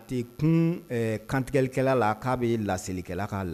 A tɛ kun , ɛɛ kantigɛlikɛla la k'a bɛ laselikɛla k'a l